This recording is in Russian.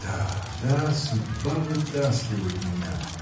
Да, да, судьба вытаскивает меня.